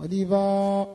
Badifa